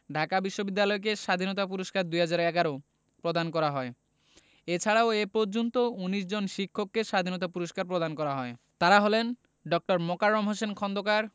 ঢাকা বিশ্ববিদ্যালয়কে স্বাধীনতা পুরস্কার ২০১১ প্রদান করা হয় এছাড়াও এ পর্যন্ত ১৯ জন শিক্ষককে স্বাধীনতা পুরস্কার প্রদান করা হয় তাঁরা হলেন ড. মোকাররম হোসেন খন্দকার